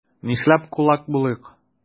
Нишләп кулак булыйк?